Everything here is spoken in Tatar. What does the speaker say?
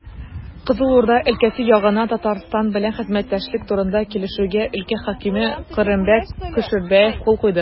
Кызыл Урда өлкәсе ягыннан Татарстан белән хезмәттәшлек турында килешүгә өлкә хакиме Кырымбәк Кушербаев кул куйды.